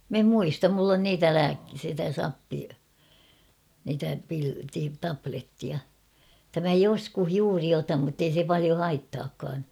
minä en muista minulla on niitä - sitä - niitä -- tablettia että minä joskus juuri otan mutta ei se paljon haittaakaan